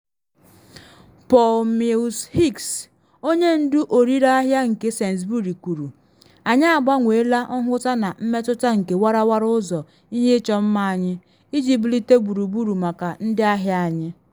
Paul Mills-Hicks, onye ndu ọrịre ahịa nke Sainsbury, kwuru: “Anyị agbanweela nhụta na mmetụta nke warawara ụzọ ihe ịchọ mma anyị iji bulite gburugburu maka ndị ahịa anyị.